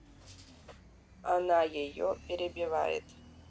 она ее перебивает